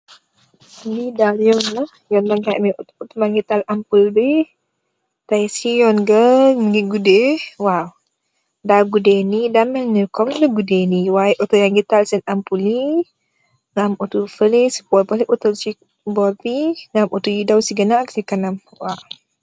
Li dal yun la mungi ame aye autor, autor bange taam ample bi ta si yun gah mungi gudeh waw dah gudi nih da melni lu gudeh autor yange taal sen ample yi nga am autor yuy daw si ganaw ak si kanam